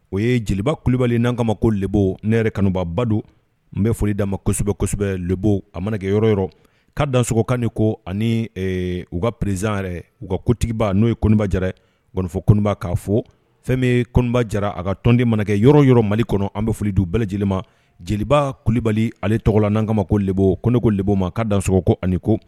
O ye jeliba kulibali n'ankama ko bbɔ ne yɛrɛ kanubaba don n bɛ foli'a ma kosɛbɛ kosɛbɛ bbo a mana yɔrɔ yɔrɔ ka dansoɔgɔkan ko ani u ka prez yɛrɛ u ka kotigiba n' ye koba jaraɛrɛfɔ koba k'a fɔ fɛn bɛba jara a ka tɔndi manakɛ yɔrɔ yɔrɔ mali kɔnɔ an bɛ fili dun bɛɛ lajɛlen ma jeliba kulibali ale tɔgɔ la n' kama ma b ko neko bma ma ka dansoɔgɔko ani ko